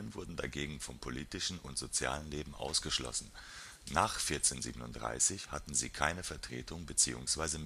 wurden dagegen vom politischen und sozialen Leben ausgeschlossen: Nach 1437 hatten sie keine Vertretung bzw.